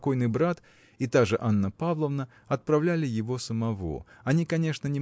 покойный брат и та же Анна Павловна отправляли его самого. Они конечно